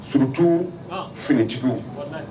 Surtout ;han; finitigiw; Walahi.